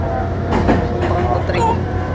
кунг фу панда три